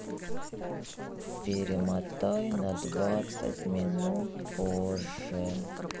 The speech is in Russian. перемотай на двадцать минут позже